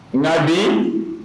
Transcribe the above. Nka di